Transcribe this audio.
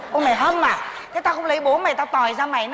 ô mày hâm à thế tao không lấy bố mày tao tòi ra mày